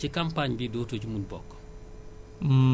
ci campagne bi dootoo ci mun bokk